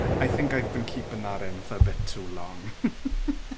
I think I've been keeping that in for a bit too long .